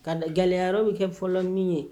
Ka gɛlɛyayara yɔrɔ bɛ kɛ fɔlɔ min ye